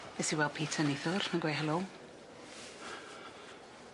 Nes i weld Peter neithwr ma'n gweu' helo.